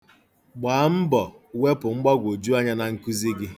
Gbaa mbọ wepụ mgbagwoju anya na nkụzi gị.